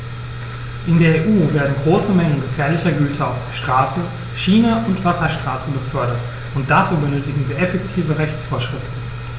In der EU werden große Mengen gefährlicher Güter auf der Straße, Schiene und Wasserstraße befördert, und dafür benötigen wir effektive Rechtsvorschriften.